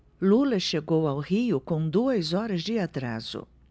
lula chegou ao rio com duas horas de atraso